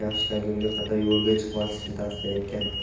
yaxshilangunga qadar yo'lga chiqmasliklarini tavsiya etgan